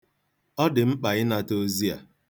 Ọ dị mkpa ịnata ozi a.